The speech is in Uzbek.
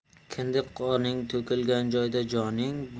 kindik qoning to'kilgan joyda joning